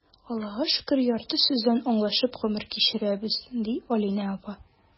Аллаһыга шөкер, ярты сүздән аңлашып гомер кичерәбез,— ди Алинә апа.